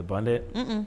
Bannɛ, unh unh.